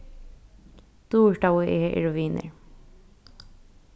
durita og eg eru vinir